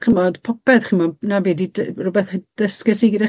ch'mod popeth ch'mod na be' 'di dy- rwbeth ddysges i gyda...